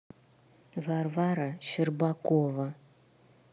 варвара щербакова